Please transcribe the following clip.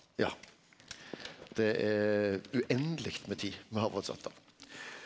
ja det er uendeleg med tid me har fått satt av.